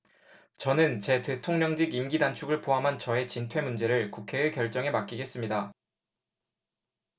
저는 제 대통령직 임기 단축을 포함한 저의 진퇴 문제를 국회의 결정에 맡기겠습니다